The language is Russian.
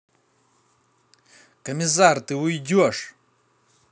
комиссар ты уйдешь